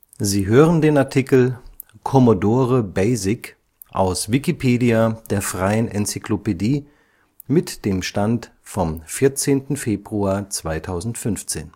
Sie hören den Artikel Commodore BASIC, aus Wikipedia, der freien Enzyklopädie. Mit dem Stand vom Der